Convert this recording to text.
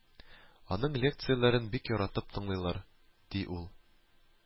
Аның лекцияләрен бик яратып тыңлыйлар, ди ул